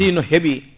si non heeɓi